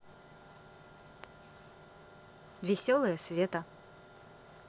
веселая света